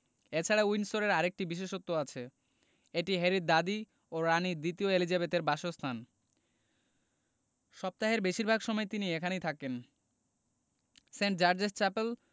এ ছাড়া উইন্ডসরের আরেকটি বিশেষত্ব আছে এটি হ্যারির দাদি ও রানি দ্বিতীয় এলিজাবেথের বাসস্থান সপ্তাহের বেশির ভাগ সময় তিনি এখানেই থাকেন সেন্ট জার্জেস চ্যাপেল